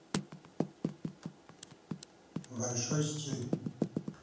большой стиль